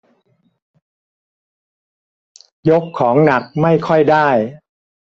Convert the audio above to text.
ยกของหนักไม่ค่อยได้